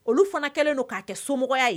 Olu fana kɛlen don k'a kɛ somɔgɔya ye